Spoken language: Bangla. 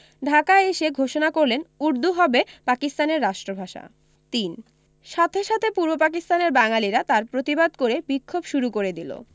ঢাকা এসে ঘোষণা করলেন উর্দু হবে পাকিস্তানের রাষ্ট্রভাষা ৩ সাথে সাথে পূর্ব পাকিস্তানের বাঙালিরা তার প্রতিবাদ করে বিক্ষোভ শুরু করে দিল